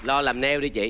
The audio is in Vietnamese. lo làm neo đi chị